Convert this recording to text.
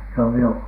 no joo